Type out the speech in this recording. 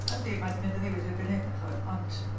Yndi, mae 'di mynd yn ddewis erbyn hyn acho- ond...